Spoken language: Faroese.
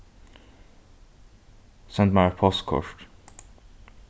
send mær eitt postkort